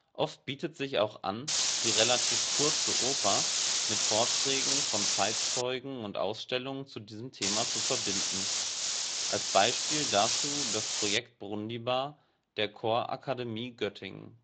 Oft bietet sich auch an, die relativ kurze Oper (ca. 35 min) mit Vorträgen von Zeitzeugen und Ausstellungen zu diesem Thema zu verbinden. Als Beispiel dazu das Projekt Brundibar der Chorakademie Göttingen